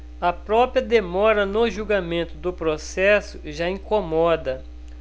a própria demora no julgamento do processo já incomoda